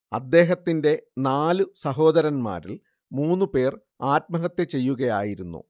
അദ്ദേഹത്തിന്റെ നാലു സഹോദരന്മാരിൽ മൂന്നുപേർ ആത്മഹത്യചെയ്യുകയായിരുന്നു